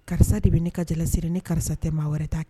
Karisa de bɛ ne ka jalasi ni karisa tɛ maa wɛrɛ ta kɛ